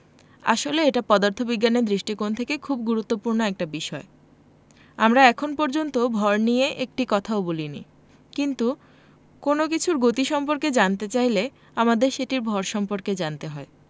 আসলে এটা পদার্থবিজ্ঞানের দৃষ্টিকোণ থেকে খুব গুরুত্বপূর্ণ একটা বিষয় আমরা এখন পর্যন্ত ভর নিয়ে একটি কথাও বলিনি কিন্তু কোনো কিছুর গতি সম্পর্কে জানতে চাইলে আমাদের সেটির ভর সম্পর্কে জানতে হয়